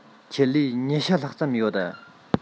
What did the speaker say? ཆེད ལས ༢༠ ལྷག ཙམ ཡོད